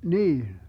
niin